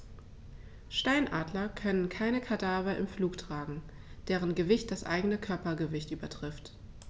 Steinadler können keine Kadaver im Flug tragen, deren Gewicht das eigene Körpergewicht übertrifft.